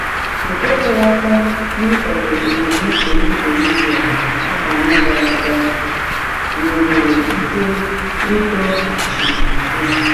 Nke tere aka na ịkwado ebumnuche ndị Bolivia, afọ anọ gara aga nwegoro ike ịdọghachi azụ.